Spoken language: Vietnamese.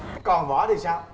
còn võ thì sao